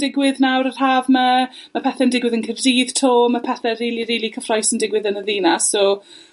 digwydd nawr, yr haf 'ma. Ma' pethe'n digwydd yn Cardydd 'to. Ma' pethe rili rili cyffrous yn digwydd yn y ddinas, so